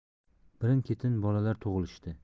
birin ketin bolalar tug'ilishdi